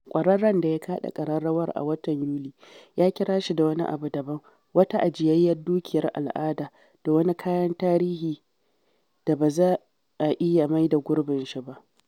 Ƙwararren da ya kaɗa ƙararrawar a watan Yuli ya kira shi da wani abu daban: “Wata ajiyayyar dukiyar al’ada” da “wani kayan tarihi da ba za a iya maida gurbinsa ba.”